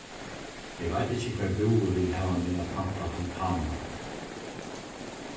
eg veit ikki hvar búi vil hava meg at planta tulipanirnar